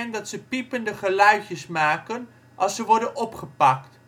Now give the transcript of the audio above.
dat ze piepende geluidjes maken als ze worden opgepakt